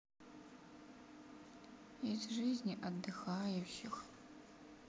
из жизни отдыхающих